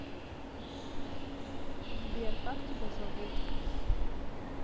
сбер как тебя зовут